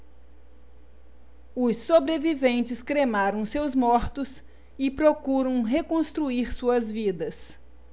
os sobreviventes cremaram seus mortos e procuram reconstruir suas vidas